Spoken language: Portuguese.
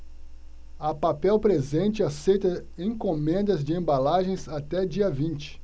a papel presente aceita encomendas de embalagens até dia vinte